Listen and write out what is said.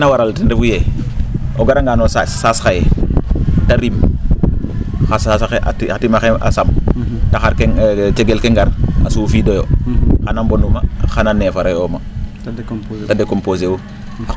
keene ke na waralan ten refu yee o garanga no saas xaye te rim xa saas axe, xa tima xe a sam taxar ke cegel ke ngar a sufiidoyo xana mbondu ma xana nefere'oyo ma te decomposer u